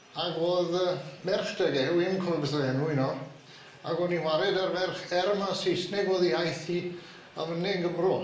Ag o'dd yy merch 'dyg e wi'm yn cofio beth o'dd enw 'i nawr ag o'n i'n whare 'da'r ferch er ma' Saesneg o'dd iaith hi a finne'n Gymro.